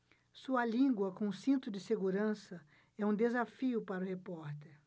sua língua com cinto de segurança é um desafio para o repórter